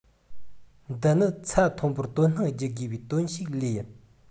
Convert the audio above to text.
འདི ནི ཚད མཐོན པོར དོ སྣང བགྱི དགོས པའི དོན ཞིག ལོས ཡིན